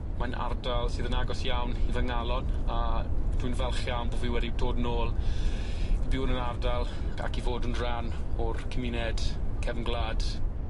Mae'n ardal sydd yn agos iawn i fy ngalon a dwi'n falch iawn bo' fi wedi dod nôl i byw yn yr ardal ac i fod yn rhan o'r cymuned cefn gwlad.